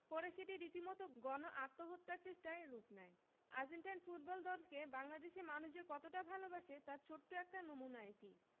পরে সেটি রীতিমতো গণ আত্মহত্যার চেষ্টায় রূপ নেয় আর্জেন্টাইন ফুটবল দলকে বাংলাদেশের মানুষ যে কতটা ভালোবাসে তার ছোট্ট একটা নমুনা এটি